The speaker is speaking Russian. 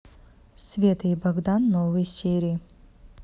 света и богдан новые серии